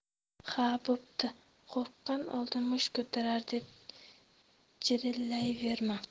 ha bo'pti qo'rqqan oldin musht ko'tarar deb jirillayverma